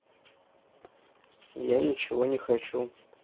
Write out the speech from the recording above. я ничего не хочу